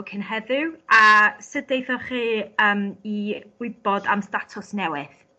cyn heddiw? A sut daethoch chi yym i gwybod am statws newydd?